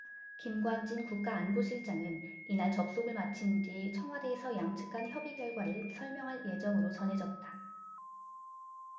김관진 국가안보실장은 이날 접촉을 마친 뒤 청와대에서 양측간 협의 결과를 설명할 예정으로 전해졌다